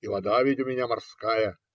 И вода ведь у меня морская.